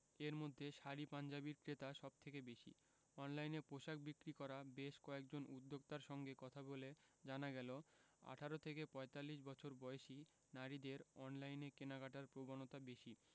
এর মধ্যে শাড়ি পাঞ্জাবির ক্রেতা সব থেকে বেশি অনলাইনে পোশাক বিক্রি করা বেশ কয়েকজন উদ্যোক্তার সঙ্গে কথা বলে জানা গেল ১৮ থেকে ৪৫ বছর বয়সী নারীদের অনলাইনে কেনাকাটার প্রবণতা বেশি